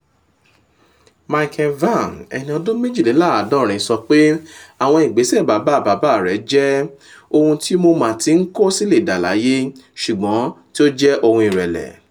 Michael Vann, 72, sọ pé àwọn ìgbéṣẹ̀ bàbà bàbà rẹ̀ jẹ́ “ohun tí mo ma tí ń kóm sì le dà láyé ṣùgbọ́n tí ó jẹ́ ohun ìrẹ̀lẹ.̀”